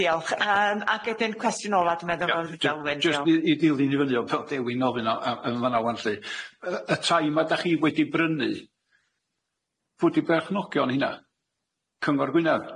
Diolch yym ag ydyi'r cwestiwn ofa dwi meddwl bydd y Dilwyn diolch. Jyst i i dilyn i fyny o fel Dewi'n -ofyn a- a- yn fan'na ŵan lly yy y tai ma da chi wedi brynu, pw di perchnogion heina? Cyngor Gwynadd?